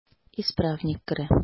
Исправник керә.